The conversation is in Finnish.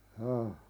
jaa